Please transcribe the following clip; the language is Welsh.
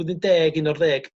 blwyddyn deg unarddeg